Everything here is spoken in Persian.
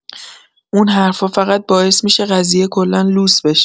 اون حرفا فقط باعث می‌شه قضیه کلا لوث بشه.